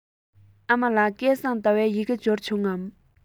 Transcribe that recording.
ཨ མ ལགས སྐལ བཟང ཟླ བའི ཡི གེ འབྱོར བྱུང ངམ